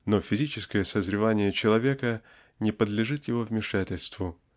Но физическое созревание человека не подлежит его вмешательству